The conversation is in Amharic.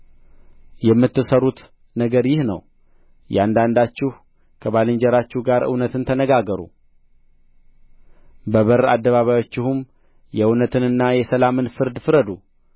የምትሠሩት ነገር ይህ ነው እያንዳንዳችሁ ከባልንጀራችሁ ጋር እውነትን ተነጋገሩ በበር አደባባያችሁም የእውነትንና የሰላምን ፍርድ ፍረዱ